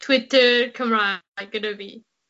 Twitter Cymrag gyda fi.